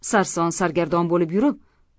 sarson sargardon bo'lib yurib